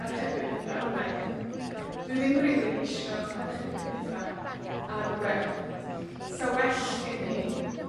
archebu petha ar y we. Dwi ddim rili isio archebu petha ar y we. 'Sa well gen i